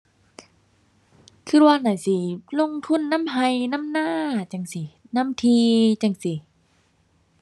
คิดว่าน่าสิลงทุนนำคิดนำนาจั่งซี้ นำที่จั่งซี้